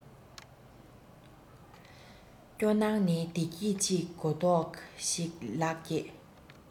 སྐྱོ སྣང ནི བདེ སྐྱིད ཅིག གོ རྟོགས ཤིག ལག སྐྱེས